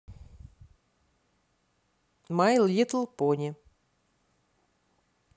май литл пони